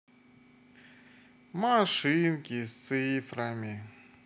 машинки с цифрами